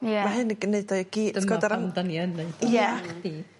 Ie. Ma' hyn yn gneud o i gy-... yr ym-... Pam 'yn ni yn neud o... Ie. ...a chdi.